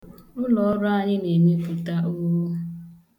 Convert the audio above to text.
Ulọọrụ anyị na-emepụta ogho.